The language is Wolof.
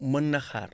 mën na xaar